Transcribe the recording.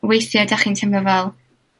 weithie 'dach chi'n teimlo fel